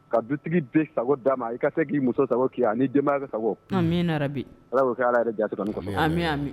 Ka dutigi sago d'a ma i ka se k'i muso sago' a denbaya bɛ sago ala b' kɛ ala yɛrɛ diyati